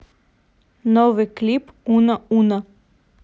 новый клип уно уно